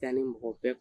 Yani mɔgɔ bɛ